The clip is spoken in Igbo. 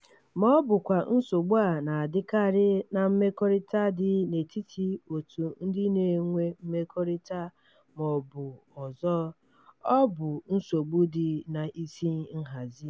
Ma ọ bụkwa nsogbu a na-ahụkarị na mmekọrịta dị n'etiti otu ndị na-enwe mmekọrịta ma ọ bụ ọzọ - ọ bụ nsogbu dị n'isi nhazi.